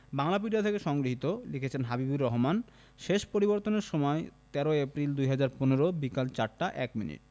বাংলাপিডিয়া থেকে সংগৃহীত লিখেছেন: হাবিবুর রহমান শেষ পরিবর্তনের সময়ঃ১৩ এপ্রিল ২০১৫ বিকেল ৪টা ১ মিনিট